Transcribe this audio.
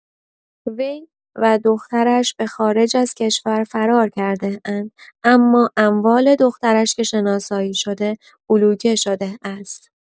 وی و دخترش به خارج از کشور فرار کرده‌اند اما اموال دخترش که شناسایی‌شده، بلوکه شده است.